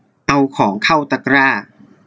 เอาของเข้าตะกร้า